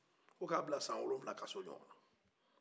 ko ka a bila san wolofila kasoro